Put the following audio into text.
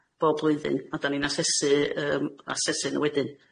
bob blwyddyn, a 'dan ni'n asesu yym asesu nw wedyn.